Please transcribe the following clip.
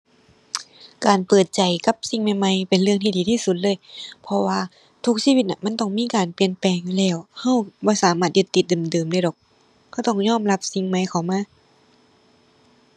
การเปิดใจกับสิ่งใหม่ใหม่เป็นเรื่องที่ดีที่สุดเลย เพราะว่าทุกชีวิตน่ะมันต้องมีการเปลี่ยนแปลงอยู่แล้ว เราบ่สามารถยึดติดเดิมเดิมได้ดอก ก็ต้องยอมรับสิ่งใหม่เข้ามา